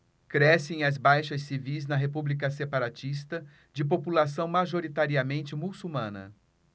crescem as baixas civis na república separatista de população majoritariamente muçulmana